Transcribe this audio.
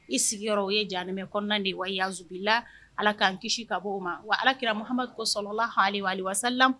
I sigiyɔrɔ o ye janɛmɛ kɔnɔna de ye . ka bɔ o ma wa alakira Mahamadu kosɔn